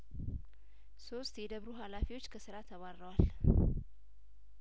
ሶስት የደብሩ ሀላፊዎች ከስራ ተባረዋል